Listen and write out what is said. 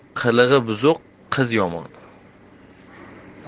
qilig'i buzuq qiz yomon